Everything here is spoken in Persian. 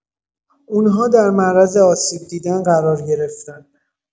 اون‌ها در معرض آسیب دیدن قرار گرفتن